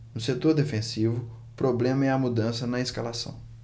no setor defensivo o problema é a mudança na escalação